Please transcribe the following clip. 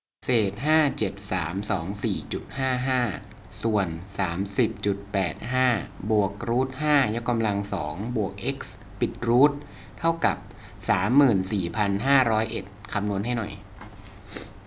เศษห้าเจ็ดสามสองสี่จุดห้าห้าส่วนสามสิบจุดแปดห้าบวกรูทห้ายกกำลังสองบวกเอ็กซ์ปิดรูทเท่ากับสามหมื่นสี่พันห้าร้อยเอ็ดคำนวณให้หน่อย